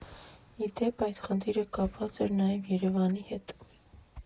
Ի դեպ, այդ խնդիրը կապված էր նաև Երևանի հետ։